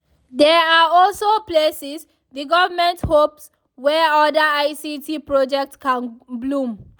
They are also places, the government hopes, where other ICT projects can bloom.